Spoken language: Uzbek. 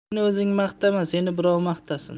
o'zingni o'zing maqtama seni birov maqtasin